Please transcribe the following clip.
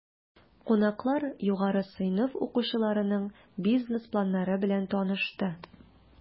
Кунаклар югары сыйныф укучыларының бизнес планнары белән танышты.